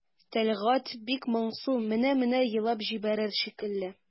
Тәлгать бик моңсу, менә-менә елап җибәрер шикелле.